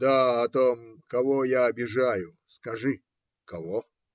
Да, о том, кого я обижаю. Скажи, кого?